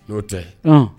N'o tɛ h